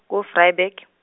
ko Vryburg.